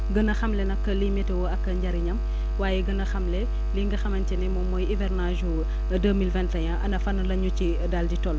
gën a xamle nag liy météo ak njëriñam waaye gën a xamle lii nga xamante ni moom mooy hivernage bu deux mille vingt et un ana fan la ñu ci daal di toll